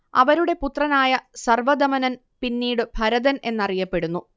അവരുടെ പുത്രനായ സർവദമനൻ പിന്നീടു ഭരതൻ എന്നറിയപ്പെടുന്നു